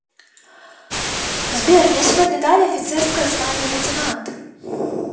сбер мне сегодня дали офицерское звание лейтенант